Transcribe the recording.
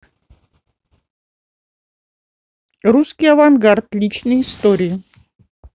русский авангард личные истории